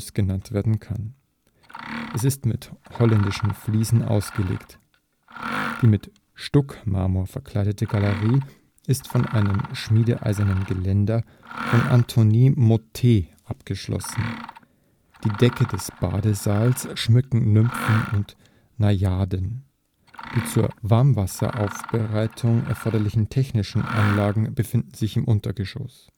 genannt werden kann. Es ist mit holländischen Fliesen ausgelegt. Die mit Stuckmarmor verkleidete Galerie ist von einem schmiedeeisernen Geländer von Antoine Motté abgeschlossen. Die Decke des Badesaales schmücken Nymphen und Najaden. Die zur Warmwasserbereitung erforderlichen technischen Anlagen befinden sich im Untergeschoss